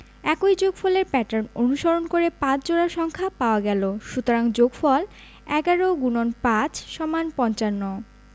একই যোগফলের প্যাটার্ন অনুসরণ করে ৫ জোড়া সংখ্যা পাওয়া গেল সুতরাং যোগফল ১১*৫=৫৫